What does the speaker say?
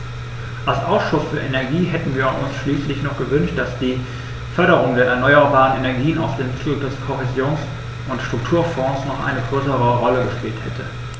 Als Ausschuss für Energie hätten wir uns schließlich noch gewünscht, dass die Förderung der erneuerbaren Energien aus den Mitteln des Kohäsions- und Strukturfonds eine noch größere Rolle gespielt hätte.